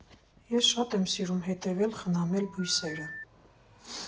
Ես շատ եմ սիրում հետևել, խնամել բույսերը։